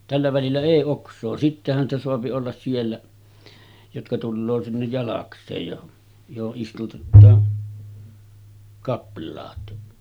tällä välillä ei oksaa sittenhän sitä saa olla siellä jotka tulee sinne jalakseen jo johon istutetaan kaplaat